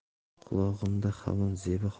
qulog'imda hamon zebi